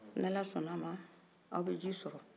ni ala sɔnna a ma aw bɛ ji sɔrɔ